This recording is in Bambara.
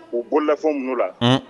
U bolodafɛn minnu la